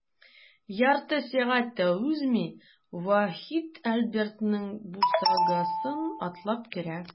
Ярты сәгать тә узмый, Вахит Альбертның бусагасын атлап керә.